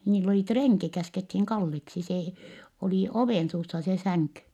niillä oli renki käskettiin Kalleksi se oli ovensuussa se sänky